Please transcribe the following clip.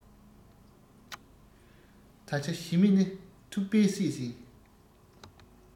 ད ཆ ཞི མི ནི ཐུག པས བསད ཟིན